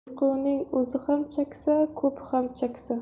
uyquning ozi ham chaksa ko'pi ham chaksa